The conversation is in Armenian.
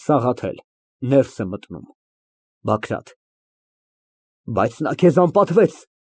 ՍԱՂԱԹԵԼ ֊ (Ներս է մտնում)։ ԲԱԳՐԱՏ ֊ Բայց նա քեզ անպատվեց։